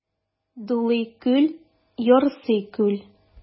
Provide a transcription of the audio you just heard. Дулый күл, ярсый күл.